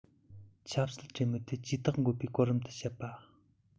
ཆབ སྲིད གྲོས མོལ དེ ཇུས ཐག གཅོད པའི གོ རིམ དུ འགོད པ